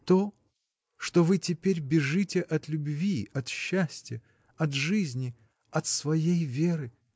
то, что вы теперь бежите от любви, от счастья, от жизни. от своей Веры!